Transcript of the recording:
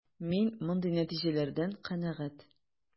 Мин мондый нәтиҗәләрдән канәгать.